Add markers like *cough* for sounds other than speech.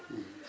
*hesitation* *hesitation*